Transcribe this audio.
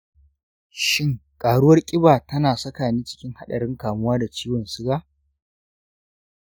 shin ƙaruwar ƙiba ta na saka ni cikin haɗarin kamuwa da ciwon suga?